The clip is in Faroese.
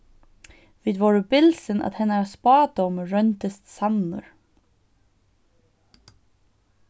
vit vóru bilsin at hennara spádómur royndist sannur